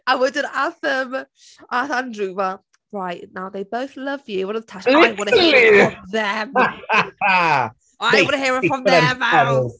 A wedyn aeth yym, aeth Andrew fel "Right, now they both love you." A wedodd Tash fel... Literally!... "I want it from them!" "I want to hear it from their mouth!"